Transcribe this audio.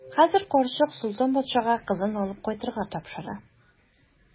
Хәзер карчык Солтан патшага кызын алып кайтып тапшыра.